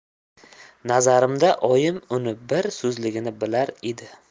nazarimda oyim uni bir so'zligini bilar edi